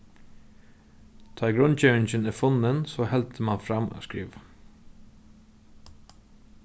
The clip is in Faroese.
tá ið grundgevingin er funnin so heldur man fram at skriva